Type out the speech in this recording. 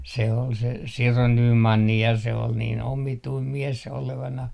se oli se Siro Nyman ja se oli niin omituinen mies olevinaan